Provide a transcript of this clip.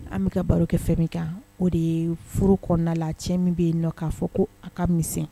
An bɛka ka barokɛ fɛn min kan o de ye furu kɔnɔna la cɛ min bɛ nɔ k'a fɔ ko aw ka misɛn